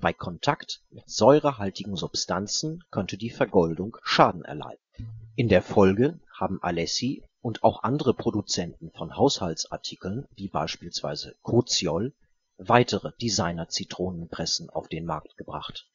Bei Kontakt mit säurehaltigen Substanzen könnte die Vergoldung Schaden erleiden. “In der Folge haben Alessi und auch andere Produzenten von Haushaltsartikeln wie beispielsweise Koziol weitere Designerzitronenpressen auf den Markt gebracht